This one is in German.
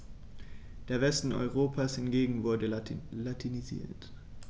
Der Westen Europas hingegen wurde latinisiert.